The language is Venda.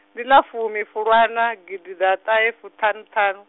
ndi ḽa fumi Fulwana, gidiḓaṱahefuṱhanuṱhanu.